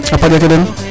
A paƴ ake den